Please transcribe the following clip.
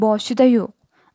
boshida yo'q